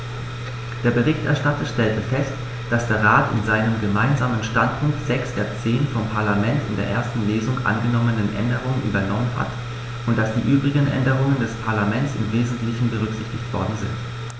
Der Berichterstatter stellte fest, dass der Rat in seinem Gemeinsamen Standpunkt sechs der zehn vom Parlament in der ersten Lesung angenommenen Änderungen übernommen hat und dass die übrigen Änderungen des Parlaments im wesentlichen berücksichtigt worden sind.